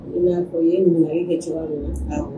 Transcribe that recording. I n'a fɔ i ye ɲininkali kɛ cogoya min na; Awɔ